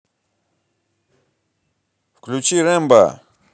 включи рэмбо